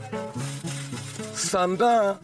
San tan